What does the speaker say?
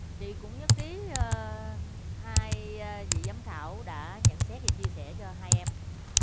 chị cũng nhất trí ơ hai vị giám khảo đã nhận xét và chia sẻ cho hai em